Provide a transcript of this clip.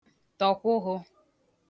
tọ̀kwụhụ